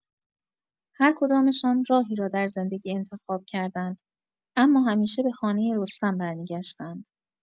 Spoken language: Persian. هر کدامشان راهی را در زندگی انتخاب کردند، اما همیشه به خانۀ رستم برمی‌گشتند.